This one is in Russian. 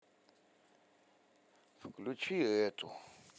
включить эту